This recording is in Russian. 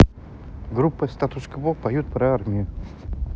группа status quo поют про армию